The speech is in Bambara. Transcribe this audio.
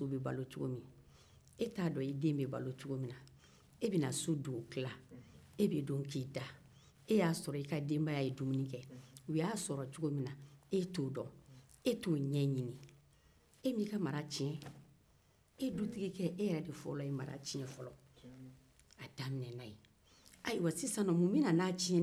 e ye a sɔrɔ e ka denbaya ye dumuni kɛ u y'a sɔrɔ cogomi na e tɛ o dɔn e tɛ o ɲɛɲini e ma i ka mara tiɲɛ e dutigikɛ e de fɔlɔ ye mara tiɲɛ a daminɛ na yen ayiwa sisan nɔn mun bɛ na n'a tiɲɛni ye